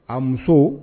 A muso